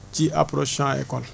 ci approche Champs école